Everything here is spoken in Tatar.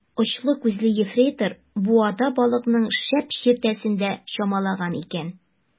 Очлы күзле ефрейтор буада балыкның шәп чиертәсен дә чамалаган икән.